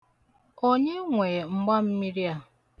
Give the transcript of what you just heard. Onye nwe mgbammiri a?